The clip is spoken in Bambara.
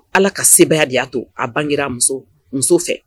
Ala ka seya de' a to a bangera muso muso fɛ